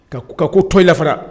Ka ka ko to i la fana